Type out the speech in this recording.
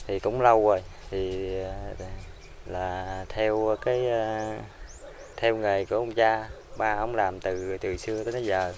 thì cũng lâu rồi thì là theo cái theo nghề của ông cha ba ổng làm từ xưa tới giờ